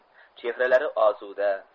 chehralari osuda